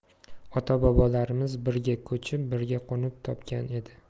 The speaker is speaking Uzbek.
ota bobolarimiz birga ko'chib birga qo'nib topgan edi